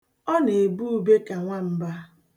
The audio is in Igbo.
Ọ na-ebe ube ka nwamba.